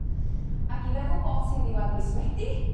Ac i feddwl bot 'i'n ddiwadd mis Medi